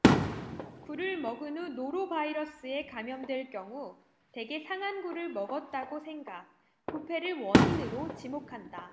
굴을 먹은 후 노로바이러스에 감염될 경우 대개 상한 굴을 먹었다고 생각 부패를 원인으로 지목한다